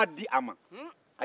u y'a di a ma